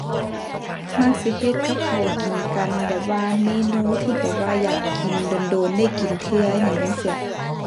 มักสิเฮ็ดกับข้าวกินกัน แบบว่าเมนูที่แบบว่าอยากกิน โดนโดนได้กินเทื่ออิหยังจั่งซี้